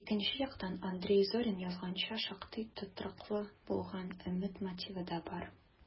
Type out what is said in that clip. Икенче яктан, Андрей Зорин язганча, шактый тотрыклы булган өмет мотивы да бар: